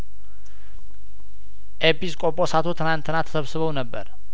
ኤጲስ ቆጶሳቱ ትላንትና ተሰብስበው ነበር